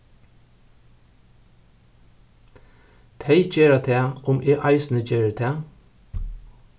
tey gera tað um eg eisini geri tað